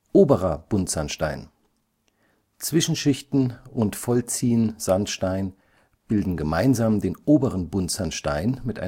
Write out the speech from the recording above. Oberer Buntsandstein Zwischenschichten und Voltziensandstein bilden gemeinsam den oberen Buntsandstein mit